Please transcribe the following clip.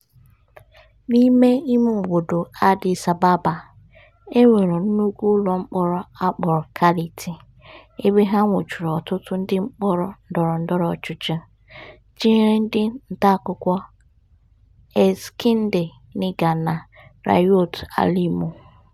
N'ime imeobodo Addis Ababa, e nwere nnukwu ụlọmkpọrọ a kpọrọ Kality ebe ha nwụchiri ọtụtụ ndị mkpọrọ ndọrọndọrọ ọchịchị, tinyere ndị ntaakụkọ Eskinder Nega na Reeyot Alemu.